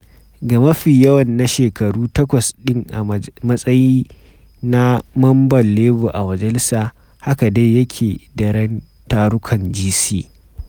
Ga mafi yawan na shekaru takwas ɗin a matsayi na mamban Labour a majalisa, haka dai yake daren tarukan GC.